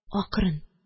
Акрын,